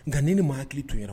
Nka ni maa hakili tun yen